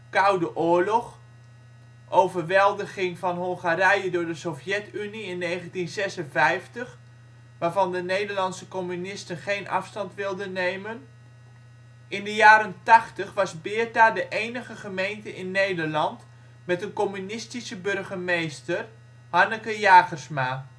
Koude Oorlog; overweldiging van Hongarije door de Sovjet-Unie in 1956, waarvan de Nederlandse communisten geen afstand wilden nemen). In de jaren tachtig was Beerta de enige gemeente in Nederland met een communistische burgemeester, Hanneke Jagersma